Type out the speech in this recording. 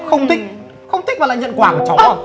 không thích không thích mà lại nhận quà của cháu à